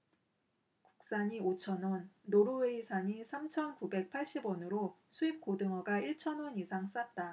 국산이 오 천 원 노르웨이산이 삼 천 구백 팔십 원으로 수입 고등어가 일 천 원 이상 쌌다